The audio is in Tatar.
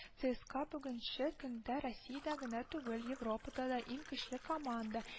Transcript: ЦСКА бүгенче көндә Россиядә генә түгел, Европада да иң көчле команда